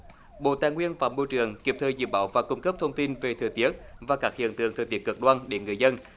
bộ tài nguyên và môi trường kịp thời dự báo và cung cấp thông tin về thời tiết và các hiện tượng thời tiết cực đoan để người dân